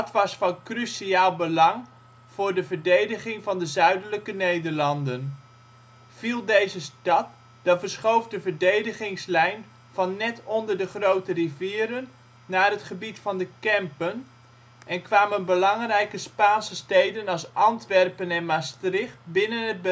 was van cruciaal belang voor de verdediging van de Zuidelijke Nederlanden. Viel deze stad, dan verschoof de verdediginslijn van net onder de grote rivieren naar het gebied van de Kempen en kwamen belangrijke Spaanse steden als Antwerpen en Maastricht binnen